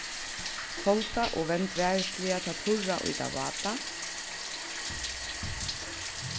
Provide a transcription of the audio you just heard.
sálda og vend varisliga tað turra í tað váta